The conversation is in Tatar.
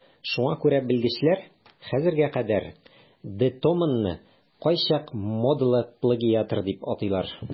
Шуңа күрә белгечләр хәзергә кадәр де Томонны кайчак модалы плагиатор дип атыйлар.